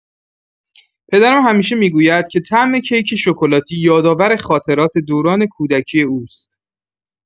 پدرم همیشه می‌گوید که طعم کیک شکلاتی یادآور خاطرات دوران کودکی او است.